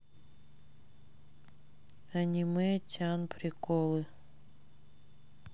аниме тян приколы